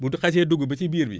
bu xasee dugg ba si biir bi